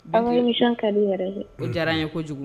An yɛrɛ o diyara n ye kojugu